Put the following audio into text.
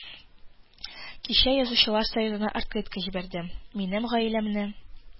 Кичә Язучылар союзына открытка җибәрдем, минем гаиләмне